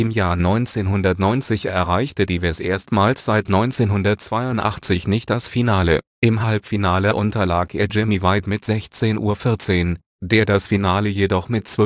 Jahr 1990 erreichte Davis erstmals seit 1982 nicht das Finale. Im Halbfinale unterlag er Jimmy White mit 16:14, der das Finale jedoch mit 12:18